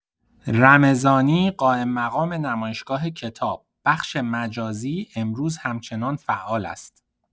رمضانی، قائم‌مقام نمایشگاه کتاب: بخش مجازی، امروز همچنان فعال است.